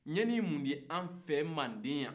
ɲani ye mun ye an fɛ manden yan